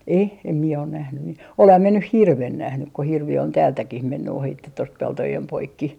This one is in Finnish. ei en minä ole nähnyt - olenhan minä nyt hirven nähnyt kun hirvi on täältäkin mennyt ohitse tuosta peltojen poikki